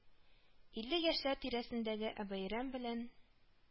Илле яшьләр тирәсендәге аббәйрәм белән